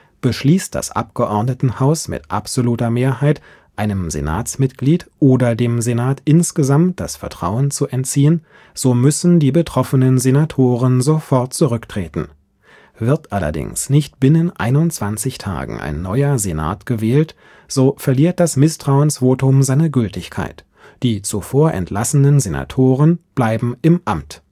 Beschließt das Abgeordnetenhaus mit absoluter Mehrheit, einem Senatsmitglied oder dem Senat insgesamt das Vertrauen zu entziehen, so müssen die betroffenen Senatoren sofort zurücktreten. Wird allerdings nicht binnen 21 Tagen ein neuer Senat gewählt, so verliert das Misstrauensvotum seine Gültigkeit; die zuvor entlassenen Senatoren bleiben im Amt